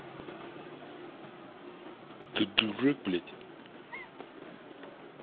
ты дурак блядь